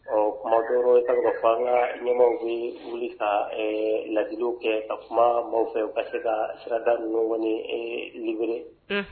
Ɔ kuma dɔw i k'a dɔn k'a fɔ an ka ɲɛmaw bɛ wuli ka ladiliw kɛ, ka kuma mɔgɔw fɛ,,u ka se ka sirada nininnu kɔni liberer .